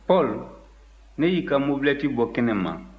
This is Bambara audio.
paul ne y'i ka mobilɛti bɔ kɛnɛ ma